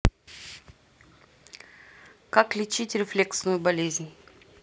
как лечить рефлексную болезнь